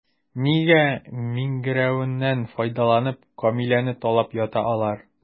Нигә миңгерәюеннән файдаланып, Камиләне талап ята алар?